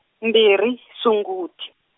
mbirhi Sunguti.